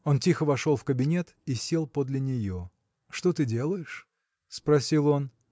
Он тихо вошел в кабинет и сел подле нее. – Что ты делаешь? – спросил он.